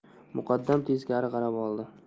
muqaddam teskari qarab oldi